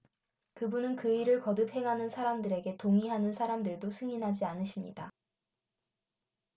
그분은 그 일을 거듭 행하는 사람들에게 동의하는 사람들도 승인하지 않으십니다